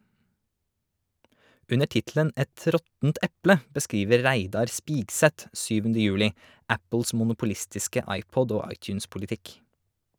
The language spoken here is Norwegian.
Under tittelen "Et råttent eple" beskriver Reidar Spigseth 7. juli Apples monopolistiske iPod- og iTunes-politikk.